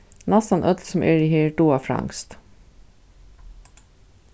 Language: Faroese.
næstan øll sum eru her duga franskt